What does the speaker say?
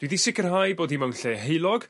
Dwi 'di sicirhau bod hi mewn lle heulog